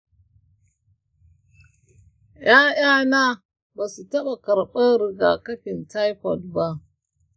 ‘ya’yana ba su taɓa ƙarɓan rigakafin taifoid ba.